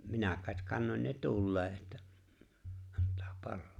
minä kai kannoin ne tuleen että antaa palaa